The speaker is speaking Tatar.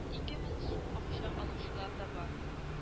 Ике мең сум акча алучылар да бар